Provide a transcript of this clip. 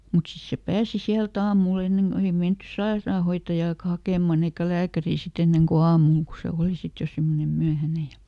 mutta sitten se pääsi sieltä aamulla ennen kun ei menty sairaanhoitajaakaan hakemaan eikä lääkäriä sitten ennen kuin aamulla kun se oli sitten jo semmoinen myöhäinen ja